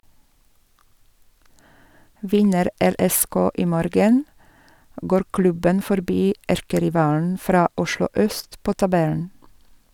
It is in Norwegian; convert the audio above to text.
Vinner LSK i morgen, går klubben forbi erkerivalen fra Oslo øst på tabellen.